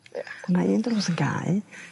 Ia. A ma' un drws yn gau